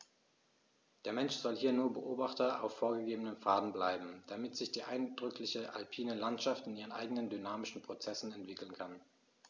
Der Mensch soll hier nur Beobachter auf vorgegebenen Pfaden bleiben, damit sich die eindrückliche alpine Landschaft in ihren eigenen dynamischen Prozessen entwickeln kann.